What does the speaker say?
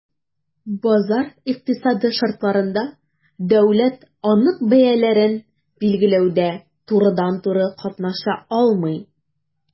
Базар икътисады шартларында дәүләт анык бәяләрне билгеләүдә турыдан-туры катнаша алмый.